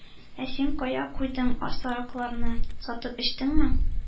— әй син, кая куйдың сарыкларны? сатып эчтеңме?